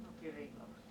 -